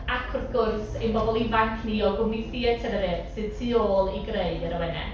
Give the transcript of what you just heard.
Ac wrth gwrs, ein bobl ifanc ni o gwmni theatr yr Urdd sydd tu ôl i greu yr awenau.